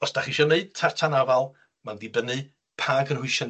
Os 'dach chi isio neud tartan afal, ma'n dibynnu pa gynhwysion